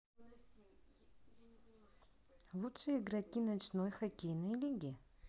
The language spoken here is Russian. лучшие игроки ночной хоккейной лиги